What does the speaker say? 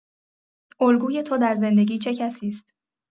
الگوی تو در زندگی چه کسی است؟